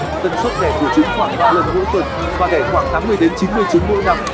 tần suất đẻ của chúng khoảng lần mỗi tuần và đẻ khoảng trứng mỗi năm